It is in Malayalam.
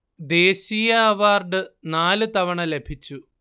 ദേശീയ അവാര്‍ഡ് നാലു തവണ ലഭിച്ചു